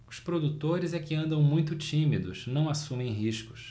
os produtores é que andam muito tímidos não assumem riscos